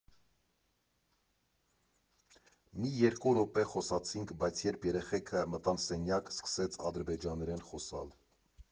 Մի երկու րոպե խոսացինք, բայց երբ երեխեքը մտան սենյակ, սկսեց ադրբեջաներեն խոսալ…